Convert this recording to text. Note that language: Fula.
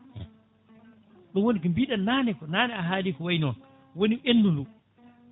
ɗum woni ko mbiɗen nane ko nane a haali ko way noon woni endudu